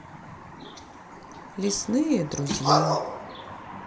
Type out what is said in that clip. лесные друзья